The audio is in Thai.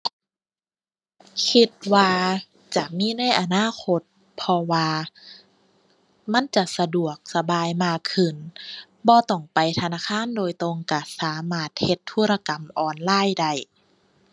คิดว่าจะมีในอนาคตเพราะว่ามันจะสะดวกสบายมากขึ้น บ่ต้องไปธนาคารโดยตรงก็สามารถเฮ็ดธุรกรรมออนไลน์ได้